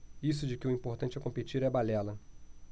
isso de que o importante é competir é balela